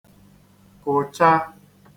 kụ̀cha